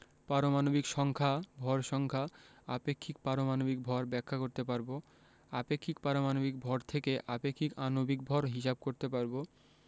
পারমাণবিক সংখ্যা ভর সংখ্যা আপেক্ষিক পারমাণবিক ভর ব্যাখ্যা করতে পারব আপেক্ষিক পারমাণবিক ভর থেকে আপেক্ষিক আণবিক ভর হিসাব করতে পারব